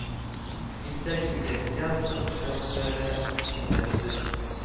Иртә килгән яз кыр эшләрен дә тизләтте